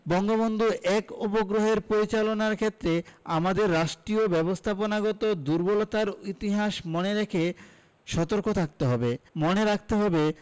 বঙ্গবন্ধু ১ উপগ্রহের পরিচালনার ক্ষেত্রে আমাদের রাষ্ট্রীয় ব্যবস্থাপনাগত দূর্বলতার ইতিহাস মনে রেখে সতর্ক থাকতে হবে মনে রাখতে হবে